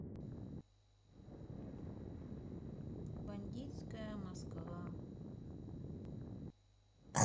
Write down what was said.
бандитская москва